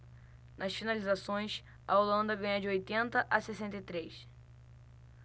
nas finalizações a holanda ganha de oitenta a sessenta e três